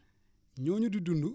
ñooñu di dund